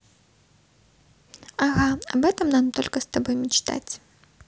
ага об этом нам только с тобой мечтать